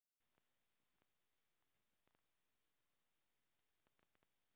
я своей цели добьюсь на русском